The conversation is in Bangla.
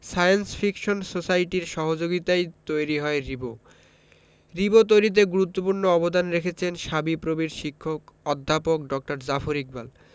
সায়েন্স ফিকশন সোসাইটির সহযোগিতায়ই তৈরি হয় রিবো রিবো তৈরিতে গুরুত্বপূর্ণ অবদান রেখেছেন শাবিপ্রবির শিক্ষক অধ্যাপক ড জাফর ইকবাল